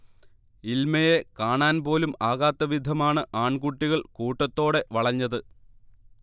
ഇൽമയെ കാണാൻപോലും ആകാത്ത വിധമാണ് ആൺകുട്ടികൾ കൂട്ടത്തോടെ വളഞ്ഞത്